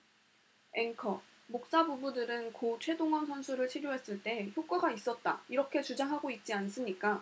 앵커 목사 부부들은 고 최동원 선수를 치료했을 때 효과가 있었다 이렇게 주장하고 있지 않습니까